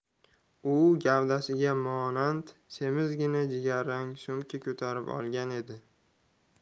u gavdasiga monand semizgina jigarrang sumka ko'tarib olgan edi